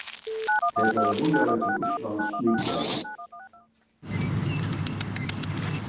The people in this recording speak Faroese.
tey fara víðari til íslands mikudagin